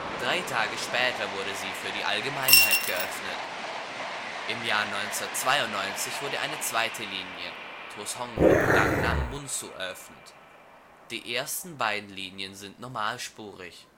Drei Tage später wurde sie für die Allgemeinheit geöffnet. Im Jahr 1992 wurde eine zweite Linie (T'osŏng – Rangrang – Munsu) eröffnet. Die ersten beiden Linien sind normalspurig